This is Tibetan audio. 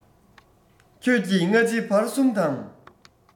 ཁྱོད ཀྱིས སྔ ཕྱི བར གསུམ དང